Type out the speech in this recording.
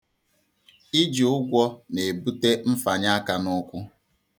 Iji ụgwọ na-ebute mfanye aka n'ụkwụ.